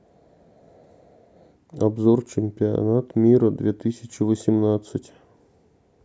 обзор чемпионат мира две тысячи восемнадцать